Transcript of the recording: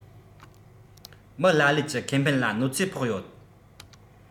མི ལ ལས ཀྱི ཁེ ཕན ལ གནོད འཚེ ཕོག ཡོད